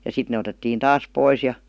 ja sitten ne otettiin taas pois ja